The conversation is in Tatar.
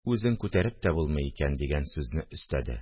– үзен күтәреп тә булмый икән! – дигән сүзне өстәде